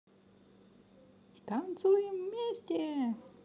танцуем вместе